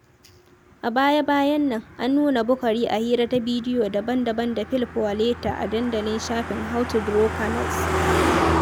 A baya--bayan nan, an nuna Boukary a hira ta bidiyoyi daban-daban da Phil Paoletta a dandalin shafin 'How to Draw Camels'.